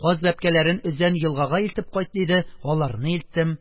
Каз бәбкәләрен Өзән елгага илтеп кайт, диде - аларны илттем.